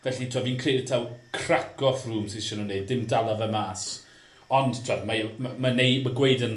felly t'wo' fi'n credu taw craco Froome sy isie n'w neud dim dala fe mas ond t'wod mae i'w ma' ma' neu- ma' gweud yn